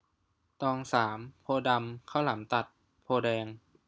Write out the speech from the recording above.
ตองสามโพธิ์ดำข้าวหลามตัดโพธิ์แดง